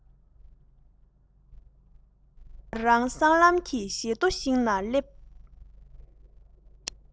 ང རང སྲང ལམ གྱི བཞི མདོ ཞིག ན སླེབས